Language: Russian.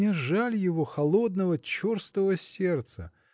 мне жаль его холодного, черствого сердца